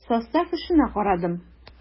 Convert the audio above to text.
Состав очына карадым.